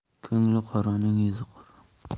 ko'ngli qoraning yuzi qora